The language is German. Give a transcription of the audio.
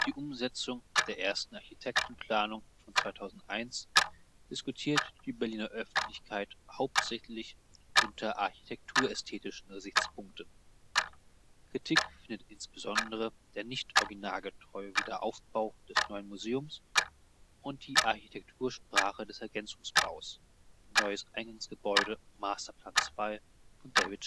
Umsetzung der ersten Architektenplanung von 2001 diskutiert die Berliner Öffentlichkeit hauptsächlich unter architekturästhetischen Gesichtspunkten. Kritik findet insbesondere der nicht originalgetreue Wiederaufbau des Neuen Museums und die Architektursprache des Ergänzungsbaus (neues Eingangsgebäude/Masterplan II) von David Chipperfield